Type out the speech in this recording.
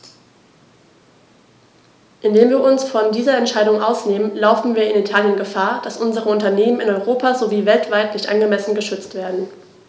Indem wir uns von dieser Entscheidung ausnehmen, laufen wir in Italien Gefahr, dass unsere Unternehmen in Europa sowie weltweit nicht angemessen geschützt werden.